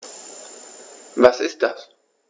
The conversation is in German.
Was ist das?